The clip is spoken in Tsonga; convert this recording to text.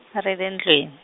a ra le ndlwini.